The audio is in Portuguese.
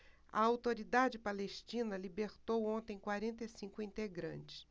a autoridade palestina libertou ontem quarenta e cinco integrantes